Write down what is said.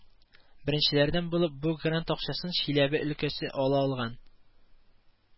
Беренчеләрдән булып бу грант акчасын Челәбе өлкәсе ала алган